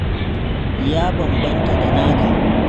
Ya bambanta da naka.